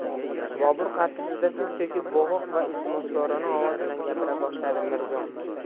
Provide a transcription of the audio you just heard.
bobur qarshisida tiz cho'kib bo'g'iq va iltimoskorona ovoz bilan gapira boshladi mirzom